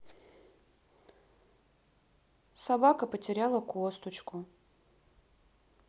собака потеряла косточку